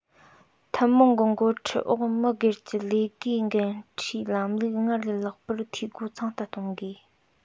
ཐུན མོང གི འགོ ཁྲིད འོག མི སྒེར གྱི ལས བགོས འགན འཁྲིའི ལམ ལུགས སྔར ལས ལྷག པར འཐུས སྒོ ཚང དུ གཏོང དགོས